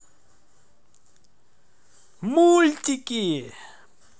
мультики